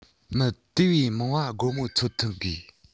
མི དེ བས མང བ སྒོར མོ འཚོལ ཐུབ དགོས